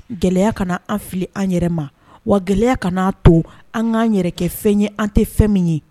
Gɛlɛya kana an fili an yɛrɛ ma wa gɛlɛya kana n' a to an anan yɛrɛ fɛn ye an tɛ fɛn min ye